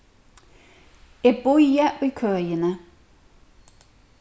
eg bíði í køini